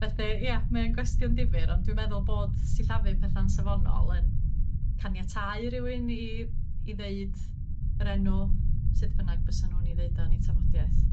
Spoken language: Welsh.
Felly, ia, mae o'n gwestiwn difyr, ond dwi'n meddwl bod sillafu petha'n safonol yn caniatáu rywun i i ddeud yr enw, sut bynnag bysa nw'n i ddeud o yn 'u tafodieth.